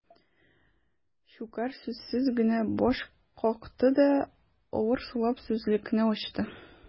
Щукарь сүзсез генә баш какты да, авыр сулап сүзлекне ачты.